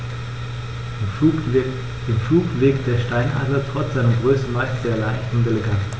Im Flug wirkt der Steinadler trotz seiner Größe meist sehr leicht und elegant.